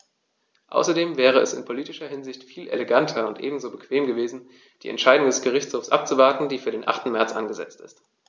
Außerdem wäre es in politischer Hinsicht viel eleganter und ebenso bequem gewesen, die Entscheidung des Gerichtshofs abzuwarten, die für den 8. März angesetzt ist.